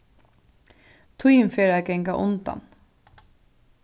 tíðin fer at ganga undan